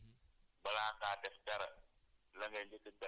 nga jógee ci ttoilette nga jógee ci toilette